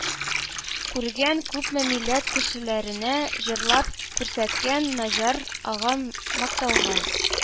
Күргән, күпме милләт кешеләренә җырлап күрсәткән наҗар ага мактауга